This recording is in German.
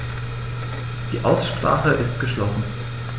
Die Aussprache ist geschlossen.